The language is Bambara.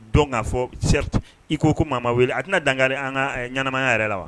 Dɔn k'a fɔ cɛri i ko ko maa wele a tɛna danga an ka ɲɛnɛmaya yɛrɛ la wa